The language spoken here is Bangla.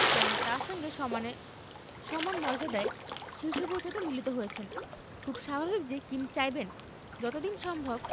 ট্রাম্প তাঁর সঙ্গে সমানে সমান মর্যাদায় শীর্ষ বৈঠকে মিলিত হয়েছেন খুবই স্বাভাবিক যে কিম চাইবেন যত দিন সম্ভব